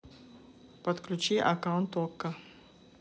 подключи аккаунт окко